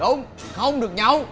đúng hông được nhậu